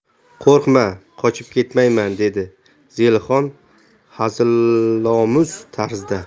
qo'rqma qochib ketmayman dedi zelixon hazilomuz tarzda